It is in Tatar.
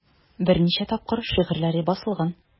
Берничә тапкыр шигырьләре басылган.